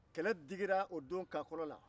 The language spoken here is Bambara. kɛlɛ digira o don kakɔlɔ la